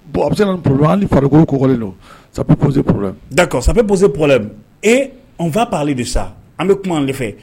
Bon an farikoloko kolen don sabu da sabu boserɛ e an fap ale de sa an bɛ kuma de fɛ